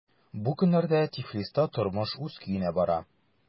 Бу көннәрдә Тифлиста тормыш үз көенә бара.